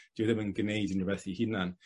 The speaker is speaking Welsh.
Dyw e ddim yn gneud unrywbeth 'i hunan.